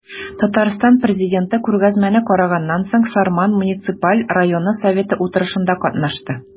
Татарстан Президенты күргәзмәне караганнан соң, Сарман муниципаль районы советы утырышында катнашты.